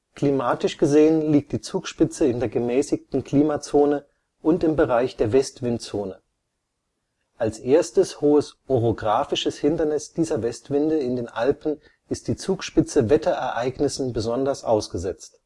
Klimatisch gesehen liegt die Zugspitze in der gemäßigten Klimazone und im Bereich der Westwindzone. Als erstes hohes orografisches Hindernis dieser Westwinde in den Alpen ist die Zugspitze Wetterereignissen besonders ausgesetzt